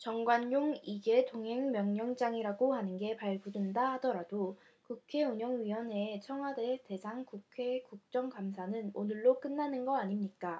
정관용 이게 동행명령장이라고 하는 게 발부된다 하더라도 국회 운영위원회의 청와대 대상 국회 국정감사는 오늘로 끝나는 거 아닙니까